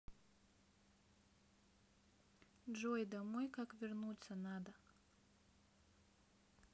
джой домой как вернуться надо